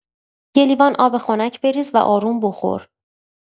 یه لیوان آب خنک بریز و آروم بخور.